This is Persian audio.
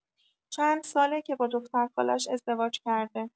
چند ساله که با دختر خالش ازدواج کرده